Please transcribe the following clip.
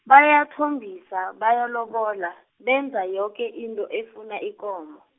bayathombisa bayalobola, benza yoke into efuna ikomo.